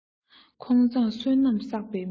ཁོང མཛངས བསོད ནམས བསགས པའི མི